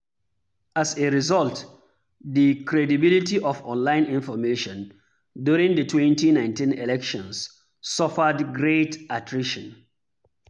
As a result, the credibility of online information during the 2019 elections suffered great attrition.